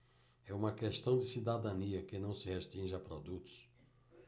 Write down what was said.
é uma questão de cidadania que não se restringe a produtos